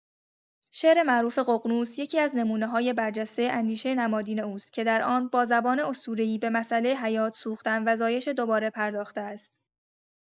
شعر معروف ققنوس یکی‌از نمونه‌های برجسته اندیشه نمادین اوست که در آن با زبان اسطوره‌ای به مساله حیات، سوختن و زایش دوباره پرداخته است.